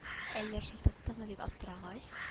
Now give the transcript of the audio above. Әллә шул тоттымы дим аптырагач